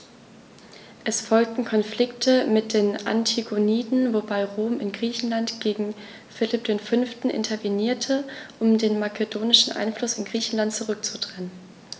Es folgten Konflikte mit den Antigoniden, wobei Rom in Griechenland gegen Philipp V. intervenierte, um den makedonischen Einfluss in Griechenland zurückzudrängen.